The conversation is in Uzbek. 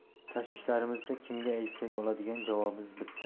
tashvishlarimizni kimga aytsak oladigan javobimiz bitta